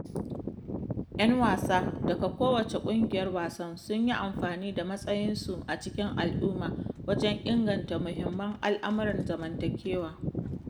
Yan wasa daga kowace ƙungiyar wasan sun yi amfani da matsayinsu a cikin al'umma wajen inganta muhimman al'amuran zamantakewa.